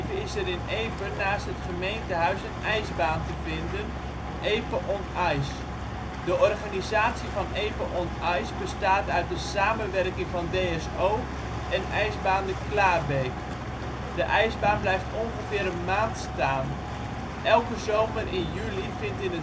is er in Epe naast het gemeentehuis een ijsbaan te vinden; Epe on ice. De organisatie van Epe on Ice bestaat uit een samenwerking van DSO en ijsbaan de Klaarbeek. De ijsbaan blijft ongeveer een maand staan. Elke zomer in juli vindt in